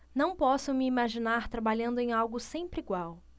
não posso me imaginar trabalhando em algo sempre igual